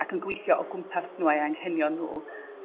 ac yn gweithio o gwmpas nhw a'u anghenion n'w